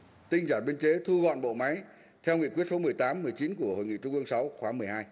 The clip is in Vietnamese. tinh giản biên chế thu gọn bộ máy theo nghị quyết số mười tám mười chín của hội nghị trung ương sáu khóa mười hai